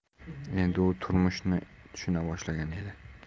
endi u turmushni tushuna boshlagan edi